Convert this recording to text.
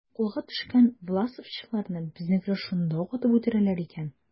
Кулга төшкән власовчыларны безнекеләр шунда ук атып үтерәләр икән.